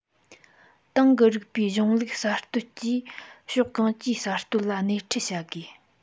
ཏང གི རིགས པའི གཞུང ལུགས གསར གཏོད ཀྱིས ཕྱོགས གང ཅིའི གསར གཏོད ལ སྣེ ཁྲིད བྱ དགོས